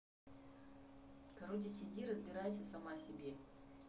короче сиди разбирайся сама себе